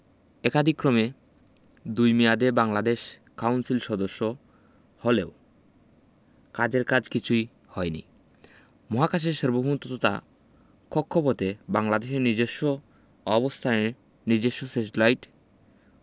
একাদিক্রমে দুই মেয়াদে বাংলাদেশ কাউন্সিল সদস্য হলেও কাজের কাজ কিছুই হয়নি মহাকাশের সর্বভৌমত্ব ততা কক্ষপথে বাংলাদেশের নিজস্ব অবস্থানে নিজস্ব স্যাটেলাইট